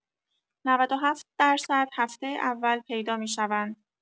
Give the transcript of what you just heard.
۹۷ درصد هفته اول پیدا می‌شوند.